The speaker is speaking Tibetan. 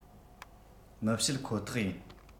མི བཤད ཁོ ཐག ཡིན